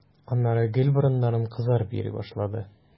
Аннары гел борыннарың кызарып йөри башлады.